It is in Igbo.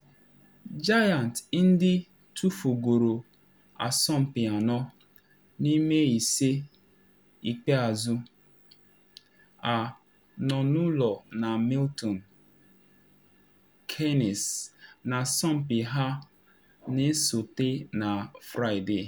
Giants, ndị tufugoro asọmpi anọ n’ime ise ikpeazụ ha, nọ n’ụlọ na Milton Keynes n’asọmpi ha na esote na Fraịde.